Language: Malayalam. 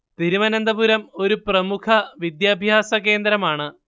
തിരുവനന്തപുരം ഒരു പ്രമുഖ വിദ്യാഭ്യാസ കേന്ദ്രമാണ്